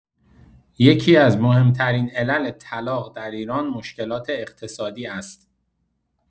یکی‌از مهم‌ترین علل طلاق در ایران، مشکلات اقتصادی است.